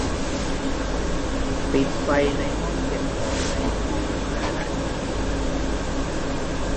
ปิดไฟในห้องเก็บของในอีกสิบห้านาที